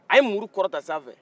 a ye muuru kɔrɔta sanfɛ